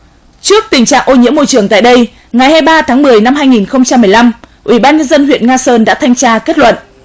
trước tình trạng ô nhiễm môi trường tại đây ngày hai ba tháng mười năm hai nghìn không trăm mười lăm ủy ban nhân dân huyện nga sơn đã thanh tra kết luận